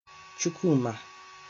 Chukwumà